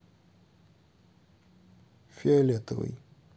фиолетовый